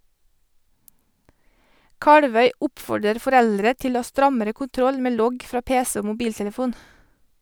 Kalvøy oppfordrer foreldre til å ha strammere kontroll med logg fra pc og mobiltelefon.